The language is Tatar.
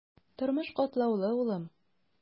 Тормыш катлаулы, улым.